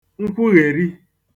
nkwughèri